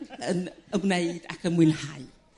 yn ymwneud ac yn mwynhau.